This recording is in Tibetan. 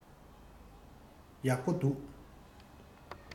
ཡག པོ འདུག